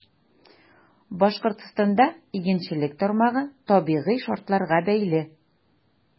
Башкортстанда игенчелек тармагы табигый шартларга бәйле.